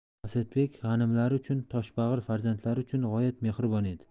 asadbek g'animlari uchun toshbag'ir farzandlari uchun g'oyat mehribon edi